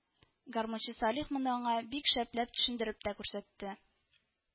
Гармунчы Салих моны аңа бик шәпләп төшендереп тә күрсәтте